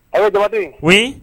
A ye dɔgɔte wuli